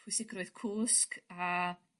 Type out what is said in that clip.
pwysigrwydd cwsg a